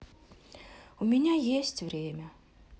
у меня есть время